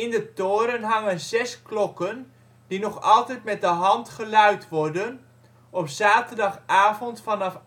de toren hangen zes klokken die nog altijd met de hand geluid worden, op zaterdagavond vanaf